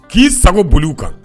K'i sago boli kan